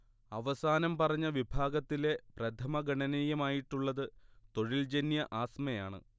അവസാനം പറഞ്ഞ വിഭാഗത്തിലെ പ്രഥമഗണനീയമായിട്ടുള്ളത് തൊഴിൽജന്യ ആസ്മയാണ്